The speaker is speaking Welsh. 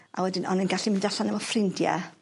a wedyn o'n i'n gallu mynd allan efo ffrindia